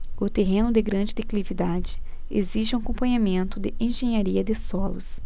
o terreno de grande declividade exige um acompanhamento de engenharia de solos